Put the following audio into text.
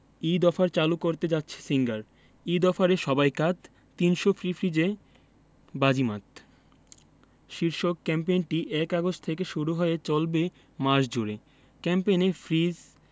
Eid offer চালু করতে যাচ্ছে সিঙ্গার ঈদ অফারে সবাই কাত ৩০০ ফ্রি ফ্রিজে বাজিমাত শীর্ষক ক্যাম্পেইনটি ১ আগস্ট থেকে শুরু হয়ে চলবে মাস জুড়ে ক্যাম্পেইনে ফ্রিজ